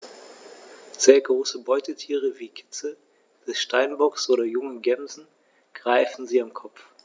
Sehr große Beutetiere wie Kitze des Steinbocks oder junge Gämsen greifen sie am Kopf.